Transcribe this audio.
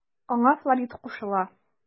Аңа Флорид кушыла.